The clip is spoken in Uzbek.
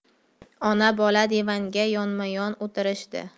ona bola divanga yonma yon o'tirishdi